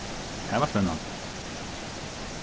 tað var spennandi